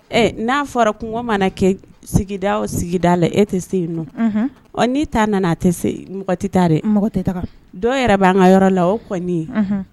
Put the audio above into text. Ɛ n'a fɔra kungogɔ mana kɛ sigida sigida la e tɛ se yen nɔn ɔ n'i t'a nana mɔgɔ tɛ dɛ mɔgɔ dɔw yɛrɛ b'an ka yɔrɔ la o kɔni ye